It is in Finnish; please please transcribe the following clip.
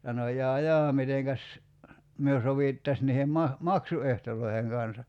sanoi jaa jaa mitenkäs me sovittaisiin niiden - maksuehtojen kanssa